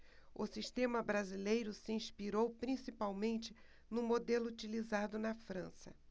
o sistema brasileiro se inspirou principalmente no modelo utilizado na frança